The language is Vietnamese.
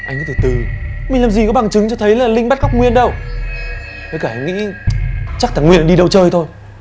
anh cứ từ từ mình làm gì có bằng chứng cho thấy là linh bắt cóc nguyên đâu với cả em nghĩ chắc thằng nguyên nó đi đâu chơi thôi